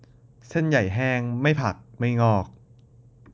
เส้นใหญ่่แห้งไม่ผักไม่งอก